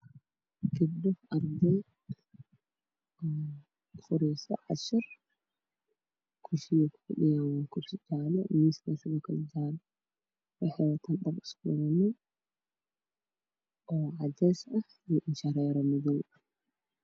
Waa gabdho arday ah oo qoreyso cashar, kursiga ay kufadhiyaan waa jaale miiskuna waa jaale. Waxay wataan dhar cadeys ah iyo indho shareer madow ah.